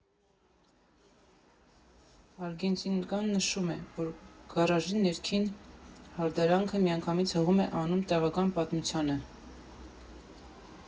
Արգենիկան նշում է, որ գարաժի ներքին հարդարանքը միանգամից հղում է անում տեղական պատմությանը։